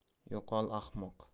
yo'qol ahmoq